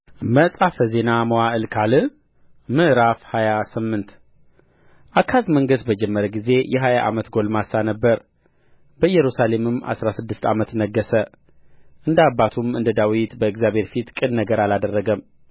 መጽሐፈ ዜና መዋዕል ካልዕ ምዕራፍ ሃያ ስምንት አካዝ መንገሥ በጀመረ ጊዜ የሀያ ዓመት ጕልማሳ ነበረ በኢየሩሳሌምም አሥራ ስድስት ዓመት ነገሠ እንደ አባቱም እንደ ዳዊት በእግዚአብሔር ፊት ቅን ነገር አላደረገም